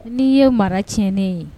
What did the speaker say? N' ye mara tiɲɛen ye